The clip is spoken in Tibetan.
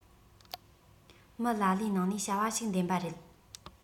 མི ལ ལས ནང ནས བྱ བ ཞིག འདེམས པ རེད